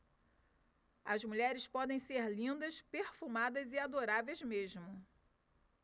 as mulheres podem ser lindas perfumadas e adoráveis mesmo